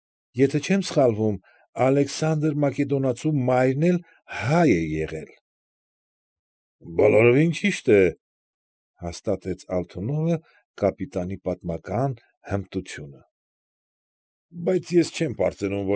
Եթե չեմ սխալվում, Ալեքսանդր Մակեդոնացու մայրն էլ հայ է եղել։ ֊ Բոլորովին ճիշտ է,֊ հաստատեց Ալթունովը կապիտանի պատմական հմտությունը,֊ բայց ես չեմ պարծենում։